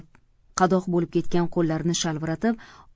qadoq bo'lib ketgan qo'llarini shalviratib